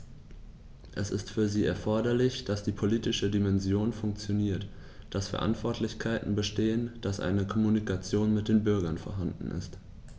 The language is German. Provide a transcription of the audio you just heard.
Es ist für sie erforderlich, dass die politische Dimension funktioniert, dass Verantwortlichkeiten bestehen, dass eine Kommunikation mit den Bürgern vorhanden ist.